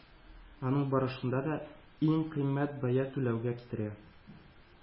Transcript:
Аның барышында да иң кыйммәт бәя түләүгә китерә.